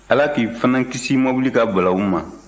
ala k'i fana kisi mobili ka balawu ma